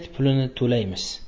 pulini to'laymiz